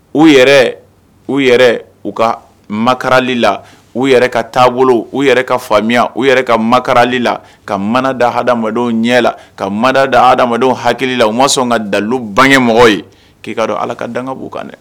U yɛrɛ , u yɛrɛ, u ka makarali la, u yɛrɛ ka taabolo, u yɛrɛ ka faamuya, u yɛrɛ ka makarali la , ka mana da hadamadenw ɲɛn la, ka mana da hadamadenw hakili la, u ma sɔn ka dalilu bangeɛ mɔgɔw ye k'i k'a dɔn allah ka danka b'u kan dɛ